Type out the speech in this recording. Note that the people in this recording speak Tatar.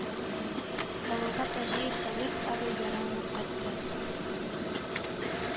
Авылга Таҗиев Салих абый яраланып кайтты